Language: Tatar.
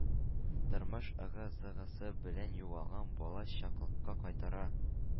Тормыш ыгы-зыгысы белән югалган бала чаклыкка кайтара,